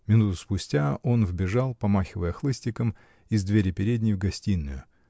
Минуту спусти он вбежал, помахивая хлыстиком, из двери передней в гостиную